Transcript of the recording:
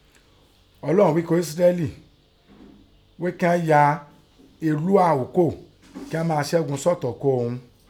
Ọlọ́un ghí ko Ésíráélì ghíi kín ọ́ ya ẹ̀lú àókò kín ọn máa sẹ́gun sọ́tọ̀ ko Òun.